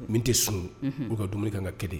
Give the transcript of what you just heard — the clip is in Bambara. Min tɛ sun nu ka dumuni ka kan ka kɛ